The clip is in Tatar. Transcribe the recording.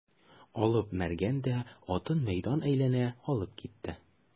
Алып Мәргән дә атын мәйдан әйләнә алып китте.